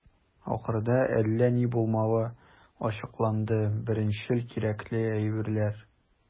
Ахырда, әллә ни булмавы ачыкланды - беренчел кирәкле әйберләр.